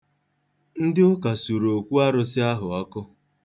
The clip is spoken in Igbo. Ndị Ụka suru okwuarụsị ahụ ọkụ.